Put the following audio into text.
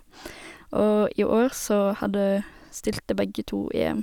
Og i år så hadde stilte begge to i EM.